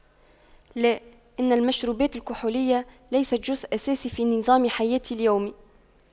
لا ان المشروبات الكحولية ليست جزء أساسي في نظام حياتي اليومي